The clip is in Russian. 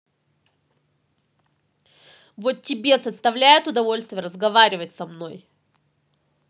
вот тебе составляет удовольствие разговаривать со мной